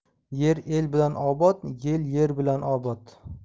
yer el bilan obod yel yer bilan obod